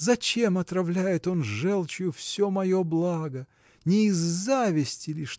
Зачем отравляет он желчью все мое благо? не из зависти ли